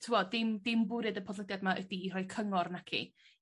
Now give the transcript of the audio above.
t'wod dim dim bwried y podlediad 'ma ydi i rhoi cyngor naci?